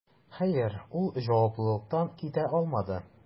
Хәер, ул җаваплылыктан китә алмады: